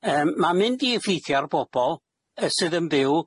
Yym, ma'n mynd i effeithio ar bobol yy sydd yn byw